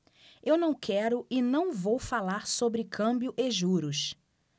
eu não quero e não vou falar sobre câmbio e juros